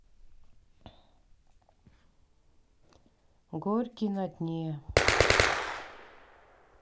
горький на дне